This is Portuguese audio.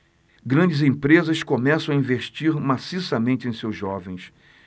grandes empresas começam a investir maciçamente em seus jovens